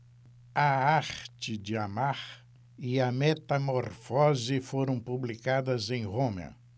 a arte de amar e a metamorfose foram publicadas em roma